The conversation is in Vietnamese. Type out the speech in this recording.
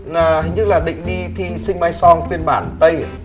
à hình như là định đi thi sinh mai xoong phiên bản tây à